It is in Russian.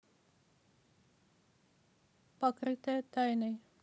покрытая тайной